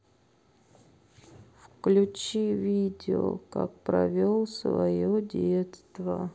включи видео как провел свое детство